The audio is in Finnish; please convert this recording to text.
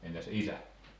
entäs isä